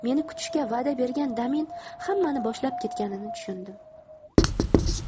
meni kutishga vada bergan damin hammani boshlab ketganini tushundim